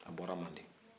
a bɔra mande